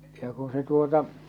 ja kun se tuota